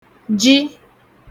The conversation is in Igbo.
ji